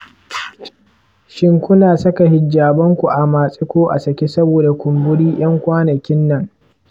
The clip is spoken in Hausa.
shin ku na saka hijabinku a matse ko a sake saboda kumburi a ƴan kwanakin nan?